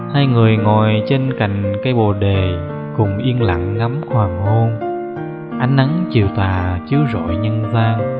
hai người ngồi trên cành cây bồ đề cùng yên lặng ngắm hoàng hôn ánh nắng chiều tà chiếu rọi nhân gian